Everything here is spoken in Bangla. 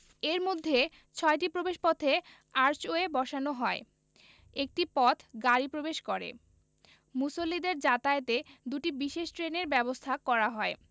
এর মধ্যে ছয়টি প্রবেশপথে আর্চওয়ে বসানো হয় একটি পথ গাড়ি প্রবেশ করে মুসল্লিদের যাতায়াতে দুটি বিশেষ ট্রেনের ব্যবস্থা করা হয়